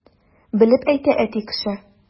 Белеп әйтә әти кеше!